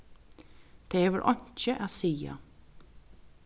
tað hevur einki at siga